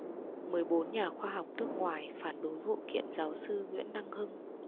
mười bốn nhà khoa học nước ngoài phản đối vụ kiện giáo sư nguyễn đăng hưng